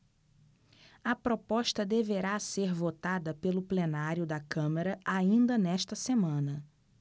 a proposta deverá ser votada pelo plenário da câmara ainda nesta semana